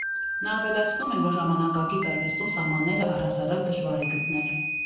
Նա ավելացնում է, որ ժամանակակից արվեստում սահմանները առհասարակ դժվար է գտնել։